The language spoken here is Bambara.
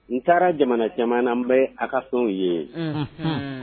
N taara jamana caman bɛ a ka tɔnw ye